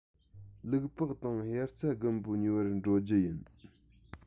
ལུག པགས དང དབྱར རྩྭ དགུན འབུ ཉོ བར འགྲོ རྒྱུ ཡིན